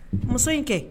Muso in kɛ